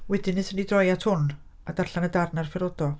Wedyn wnaethon ni droi at hwn a darllen y darn ar Ferodo.